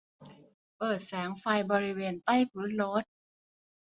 เปิดแสงไฟบริเวณใต้พื้นรถ